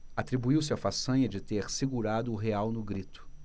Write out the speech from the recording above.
atribuiu-se a façanha de ter segurado o real no grito